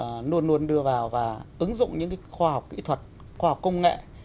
luôn luôn đưa vào và ứng dụng những cái khoa học kỹ thuật khoa học công nghệ